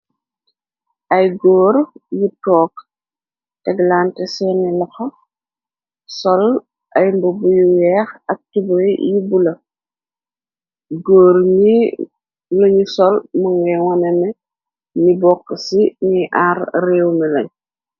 Ay góor yu tog teg lante seeni laxo, sol ay mdubu yu weex ak tubey yi bulo. Góor yi nu sol më nga wonane ni bokk ci ni aar réew mi lañ.